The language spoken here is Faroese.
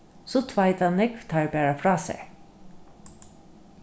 so tveita nógv teir bara frá sær